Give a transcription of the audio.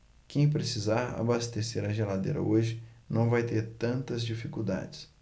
quem precisar abastecer a geladeira hoje não vai ter tantas dificuldades